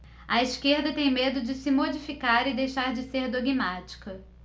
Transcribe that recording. a esquerda tem medo de se modificar e deixar de ser dogmática